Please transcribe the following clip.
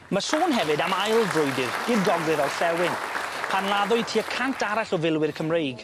Ma' sôn hefyd am ail frwydyr i'r gogledd orllewin pan laddwyd tua cant arall o filwyr Cymreig.